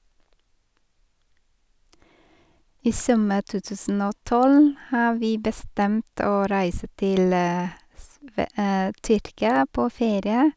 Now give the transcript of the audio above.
I sommer to tusen og tolv har vi bestemt å reise til sve Tyrkia på ferie.